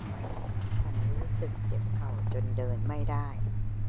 ฉันรู้สึกเจ็บเข่าจนเดินไม่ได้